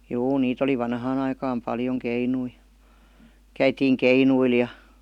juu niitä oli vanhaan aikaan paljon keinuja käytiin keinuilla ja